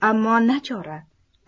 ammo nachora